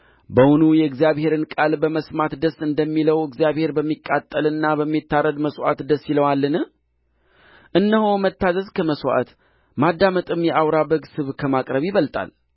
በውኑ የእግዚአብሔርን ቃል በመስማት ደስ እንደሚለው እግዚአብሔር በሚቃጠልና በሚታረድ መሥዋዕት ደስ ይለዋልን እነሆ መታዘዝ ከመሥዋዕት ማዳመጥም የአውራ በግ ስብ ከማቅረብ ይበልጣል